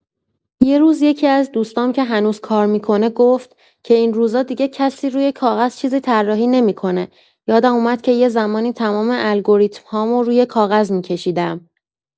یه روز یکی‌از دوستام که هنوز کار می‌کنه گفت که این روزا دیگه کسی روی کاغذ چیزی طراحی نمی‌کنه، یادم اومد که یه زمانی تمام الگوریتم‌هامو روی کاغذ می‌کشیدم.